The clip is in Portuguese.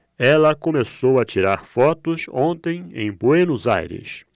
ela começou a tirar fotos ontem em buenos aires